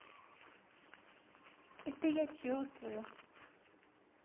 это я чувствую